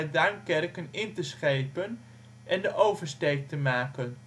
Duinkerke in te schepen en de oversteek te maken